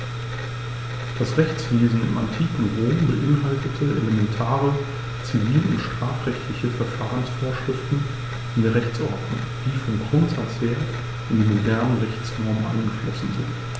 Das Rechtswesen im antiken Rom beinhaltete elementare zivil- und strafrechtliche Verfahrensvorschriften in der Rechtsordnung, die vom Grundsatz her in die modernen Rechtsnormen eingeflossen sind.